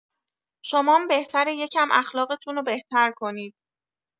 شمام بهتره یکم اخلاقتون بهتر کنید